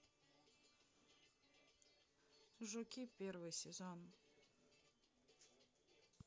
жуки первый сезон